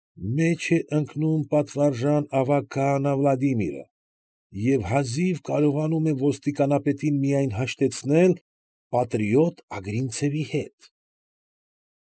Մեջ է ընկնում պատվարժան ավագ քահանա Վլադիմիրը և հազիվ կարողանում է ոստիկանապետին միայն հաշտեցնել «պատրիոտ» Ագրինցևի հետ։